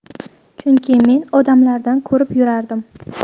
chunki men odamlardan ko'rib yurardim